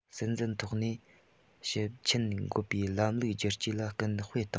སྲིད འཛིན ཐོག ནས ཞིབ མཆན འགོད པའི ལམ ལུགས བསྒྱུར བཅོས ལ སྐུལ སྤེལ བཏང